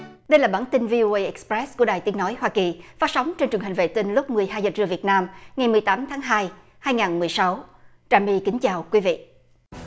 đây là bản tin vi âu ây ích phờ rét của đài tiếng nói hoa kỳ phát sóng trên truyền hình vệ tinh lúc mười hai giờ trưa việt nam ngày mười tám tháng hai hai ngàn mười sáu trà my kính chào quý vị